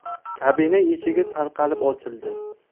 kabina eshigi taraqlab ochildi